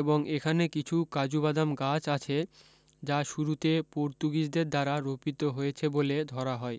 এবং এখানে কিছু কাজুবাদাম গাছ আছে যা শুরুতে পর্তুগীজদের দ্বারা রোপিত হয়েছে বলে ধরা হয়